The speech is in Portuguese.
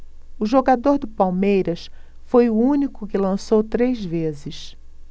o jogador do palmeiras foi o único que lançou três vezes